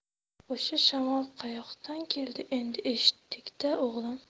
o'sha shamol qayoqdan keldi endi eshitdik da o'g'lim